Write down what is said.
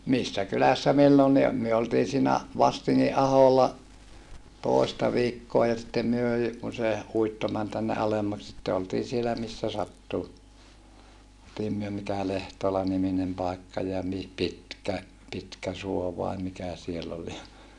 missä kylässä milloinkin - me oltiin siinä Vastingin aholla toista viikkoa ja sitten me - kun se uitto meni tänne alemmaksi sitten oltiin siellä missä sattui oltiin me mikä Lehtola-niminen paikka ja -- Pitkäsuo vai mikä siellä oli ja